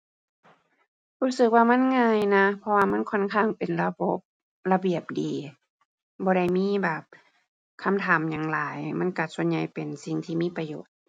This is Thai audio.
รู้สึกว่ามันง่ายนะ เพราะว่ามันค่อนข้างเป็นระบบระเบียบดี บ่ได้มีแบบคำถามหยังหลาย มันก็ส่วนใหญ่เป็นสิ่งที่มีประโยชน์